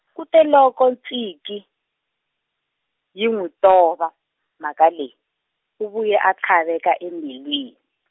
kute loko Tsinkie, yi n'wi tova, mhaka leyi, u vuye a tlhaveka embilwini .